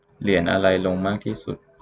เหรียญอะไรลงมากที่สุด